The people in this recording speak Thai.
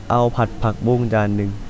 เอาผัดผักบุ้งจานหนึ่ง